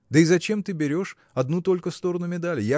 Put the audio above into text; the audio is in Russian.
Да и зачем ты берешь одну только сторону медали?